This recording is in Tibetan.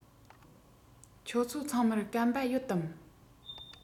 ཁྱོད ཚོ ཚང མར སྐམ པ ཡོད དམ